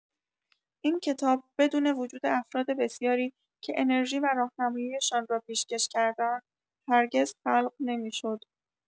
این کتاب بدون وجود افراد بسیاری که انرژی و راهنمایی‌شان را پیشکش کردند، هرگز خلق نمی‌شد.